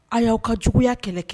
A y'aw ka juguyaya kɛlɛ kɛ